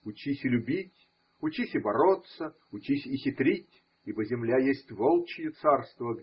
Учись и любить, учись и бороться, учись и хитрить, ибо земля есть волчье царство.